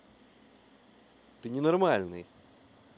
ты ненормальный